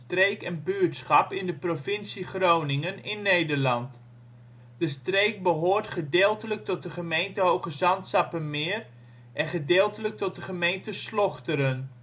streek en buurtschap in de provincie Groningen in Nederland. De streek behoort gedeeltelijk tot de gemeente Hoogezand-Sappemeer en gedeeltelijk tot de gemeente Slochteren